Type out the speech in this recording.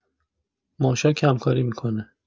ماشا کم‌کاری می‌کنه